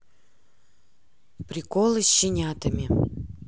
приколы с щенятами